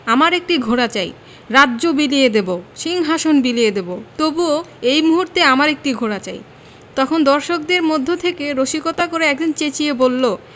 আমার একটি ঘোড়া চাই রাজ্য বিলিয়ে দেবো সিংহাশন বিলিয়ে দেবো তবু এই মুহূর্তে আমার একটি ঘোড়া চাই তখন দর্শকদের মধ্য থেকে রসিকতা করে একজন চেঁচিয়ে বললো